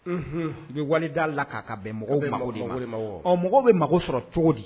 Un u bɛ walida la k'a ka bɛn mɔgɔw mɔgɔw bɛ mago sɔrɔ cogo di